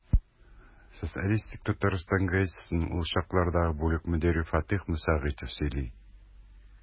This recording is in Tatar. «социалистик татарстан» газетасының ул чаклардагы бүлек мөдире фатыйх мөсәгыйтов сөйли.